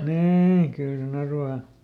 niin kyllä sen arvaa